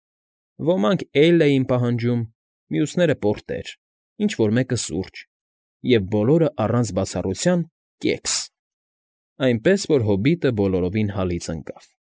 Ոմանք էյլ էին պահանջում, մյուսները՝ պորտեր, ինչ֊որ մեկը՝ սուրճ, և բոլորը առանց բացառության՝ կեքս, այնպես որ հոբիտը բոլորովին հալից ընկավ։